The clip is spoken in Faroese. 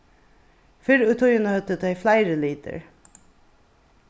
fyrr í tíðini høvdu tey fleiri litir